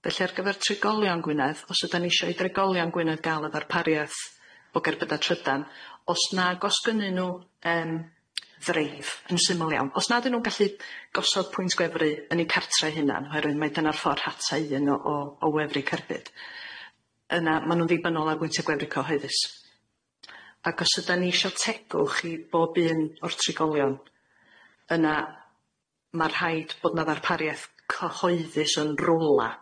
Felly ar gyfer trigolion Gwynedd os ydan ni isio i dregolion Gwynedd ga'l y ddarpariaeth o gerbyda trydan os nag os gynnyn nw yym ddreif yn syml iawn os nad yw nw'n gallu gosodd pwynt gwefru yn eu cartre eu hunan oherwydd mae dyna'r ffor' rhatau iddyn nw o o wefru cerbyd yna ma' nw'n ddibynnol ar gwyntio gwefru cyhoeddus ag os ydan ni isio tegwch i bob un o'r trigolion, yna ma' rhaid bod na ddarpariaeth cyhoeddus yn rwla.